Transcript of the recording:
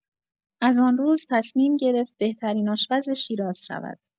از آن روز، تصمیم گرفت بهترین آشپز شیراز شود.